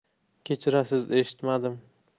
kechirasiz eshitmadim